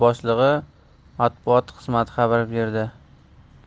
boshlig matbuot xizmati xabar berdi